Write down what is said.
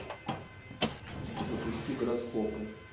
запусти гороскопы